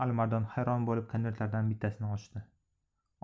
alimardon hayron bo'lib konvertlardan bittasini ochdi